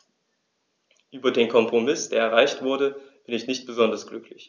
Über den Kompromiss, der erreicht wurde, bin ich nicht besonders glücklich.